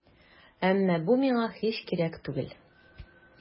Әмма бу миңа һич кирәк түгел.